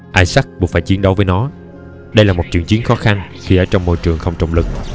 isaac buộc phải chiến đấu với nó đây là một trận chiến khó khăn khi ở trong môi trường không trọng lực